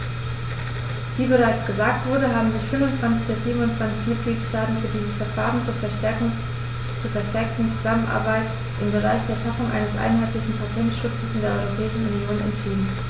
Wie bereits gesagt wurde, haben sich 25 der 27 Mitgliedstaaten für dieses Verfahren zur verstärkten Zusammenarbeit im Bereich der Schaffung eines einheitlichen Patentschutzes in der Europäischen Union entschieden.